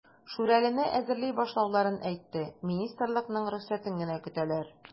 "шүрәле"не әзерли башлауларын әйтте, министрлыкның рөхсәтен генә көтәләр.